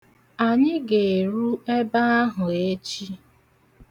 Anyị ga-eru ebe ahụ echi.